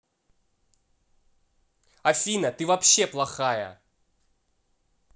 афина ты вообще плохая